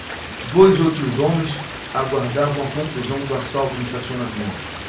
dois outros homens aguardavam a conclusão do assalto no estacionamento